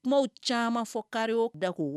Kuma caman fɔ ka dako